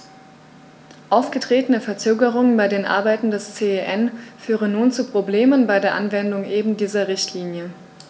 Aufgetretene Verzögerungen bei den Arbeiten des CEN führen nun zu Problemen bei der Anwendung eben dieser Richtlinie.